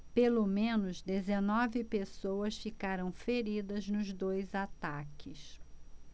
pelo menos dezenove pessoas ficaram feridas nos dois ataques